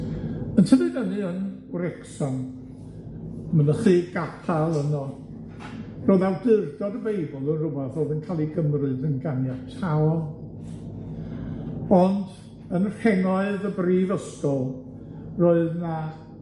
Yn tyfu fyny yn Wrecsam, mynychu gapal yno, ro'dd awdurdod y Beibl yn rwbath o'dd yn ca'l 'i gymryd yn ganiataol ond yn rhengoedd y brifysgol roedd 'na